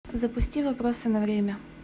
запусти вопросы на время